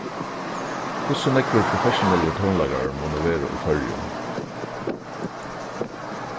hvussu nógvir professionellir tónleikarar munnu vera í føroyum